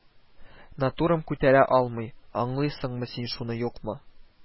Натурам күтәрә алмый, аңлыйсыңмы син шуны, юкмы